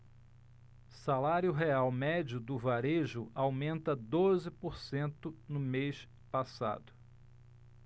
salário real médio do varejo aumenta doze por cento no mês passado